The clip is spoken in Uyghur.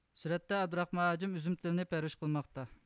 سۈرەتتە ئابدۇراخمان ھاجىم ئۈزۈم تېلىنى پەرۋىش قىلماقتا